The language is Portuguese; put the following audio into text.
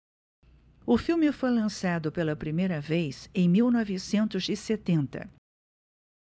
o filme foi lançado pela primeira vez em mil novecentos e setenta